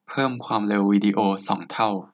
เพิ่มความเร็ววีดีโอสองเท่า